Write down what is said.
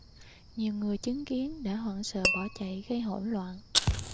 nhiều người chứng kiến đã hoảng sợ bỏ chạy gây hỗn loạn